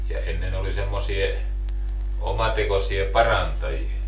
ja ennen oli semmoisia omatekoisia parantajia